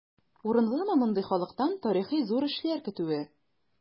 Урынлымы мондый халыктан тарихи зур эшләр көтүе?